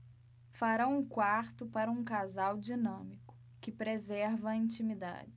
farão um quarto para um casal dinâmico que preserva a intimidade